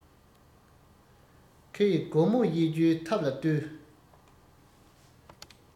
ཁེ ཡི སྒོ མོ དབྱེ རྒྱུའི ཐབས ལ ལྟོས